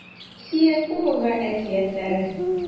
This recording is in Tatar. Россия Кубогы әкиятләре